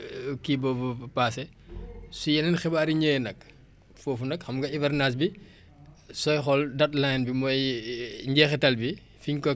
su yeneen xibaar yi ñëwee nag foofu nag xam nga hivernage bi sooy xool date line bi mooy njeexital bi fiñ ko kale mooy trente et un octobre